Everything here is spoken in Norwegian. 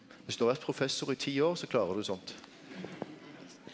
viss du har vore professor i ti år så klarar du sånt.